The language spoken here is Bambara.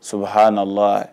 Soubhanallah